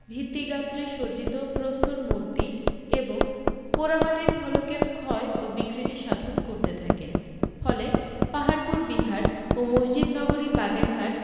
ভিত্তিগাত্রে সজ্জিত প্রস্তর মূর্তি এবং পোড়ামাটির ফলকের ক্ষয় ও বিকৃতি সাধন করতে থাকে ফলে পাহারপুর বিহার ও মসজিদ নগরী বাগেরহাট